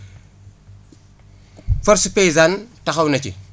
force paysane taxaw na ci